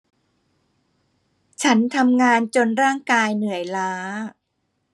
ฉันทำงานจนร่างกายเหนื่อยล้า